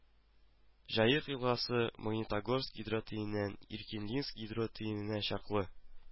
Җаек елгасы, Магнитогорск гидротөененнән Ириклинск гидротөененә чаклы